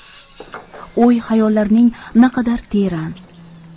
o'y xayollarining naqadar teran